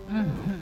Un